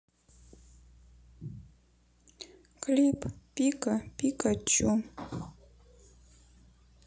клип пика пикачу